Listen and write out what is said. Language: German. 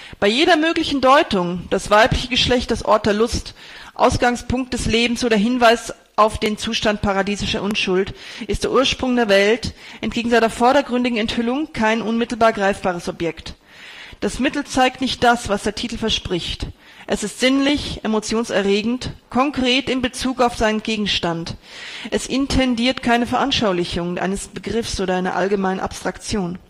Bei jeder möglichen Deutung – das weibliche Geschlecht als Ort der Lust, Ausgangspunkt des Lebens oder Hinweis auf den Zustand paradiesischer Unschuld – ist der „ Ursprung der Welt “entgegen seiner vordergründigen Enthüllung kein unmittelbar greifbares Objekt. Das Bild zeigt nicht das, was der Titel verspricht: Es ist sinnlich, emotionserregend, konkret in Bezug auf seinen Gegenstand. Es intendiert keine Veranschaulichung eines Begriffs oder einer allgemeinen Abstraktion